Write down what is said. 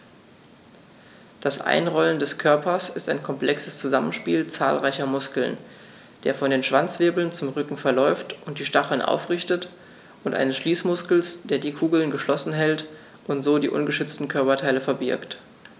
Das Einrollen des Körpers ist ein komplexes Zusammenspiel zahlreicher Muskeln, der von den Schwanzwirbeln zum Rücken verläuft und die Stacheln aufrichtet, und eines Schließmuskels, der die Kugel geschlossen hält und so die ungeschützten Körperteile verbirgt.